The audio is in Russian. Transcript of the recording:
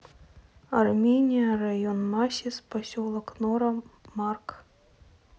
армения район масис поселок нора марк